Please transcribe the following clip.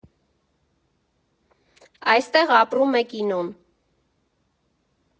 Այստեղ ապրում է կինոն։